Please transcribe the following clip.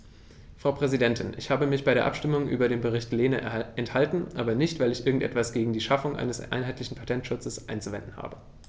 Frau Präsidentin, ich habe mich bei der Abstimmung über den Bericht Lehne enthalten, aber nicht, weil ich irgend etwas gegen die Schaffung eines einheitlichen Patentschutzes einzuwenden habe.